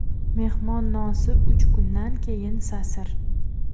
mehmon nosi uch kundan keyin sasir